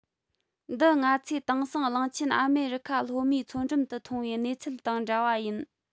འདི ང ཚོས དེང སང གླིང ཆེན ཨ མེ རི ཁ ལྷོ མའི མཚོ འགྲམ དུ མཐོང བའི གནས ཚུལ དང འདྲ བ ཡིན